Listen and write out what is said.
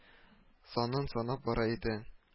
Санын санап бара иде